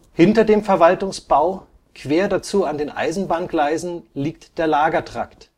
Hinter dem Verwaltungsbau, quer dazu an den Eisenbahngleisen, liegt der Lagertrakt